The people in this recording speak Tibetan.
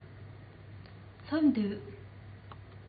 སླེབས འདུག